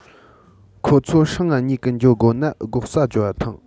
ཁོད ཚོ སྲང ང ཉུལ གི འགྱོ དགོ ན སྒོ ཟྭ རྒྱོབ བ ཐོངས